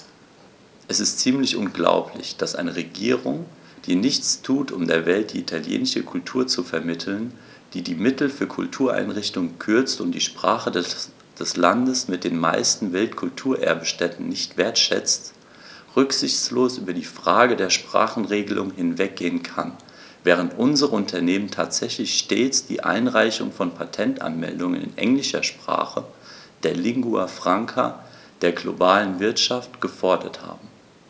Es ist ziemlich unglaublich, dass eine Regierung, die nichts tut, um der Welt die italienische Kultur zu vermitteln, die die Mittel für Kultureinrichtungen kürzt und die Sprache des Landes mit den meisten Weltkulturerbe-Stätten nicht wertschätzt, rücksichtslos über die Frage der Sprachenregelung hinweggehen kann, während unsere Unternehmen tatsächlich stets die Einreichung von Patentanmeldungen in englischer Sprache, der Lingua Franca der globalen Wirtschaft, gefordert haben.